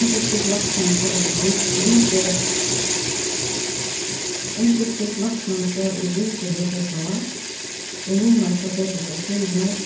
undirskrift læknans skal í liti undirskrift læknans skal í liti víkja frá og nummar skal setast á síðurnar